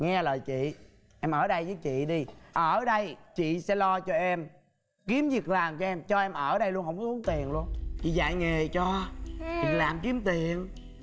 nghe lời chị em ở đây với chị đi ở đây chị sẽ lo cho em kiếm việc làm cho em cho em ở đây luôn hổng có tốn tiền luôn dạy nghề cho việc làm kiếm tiền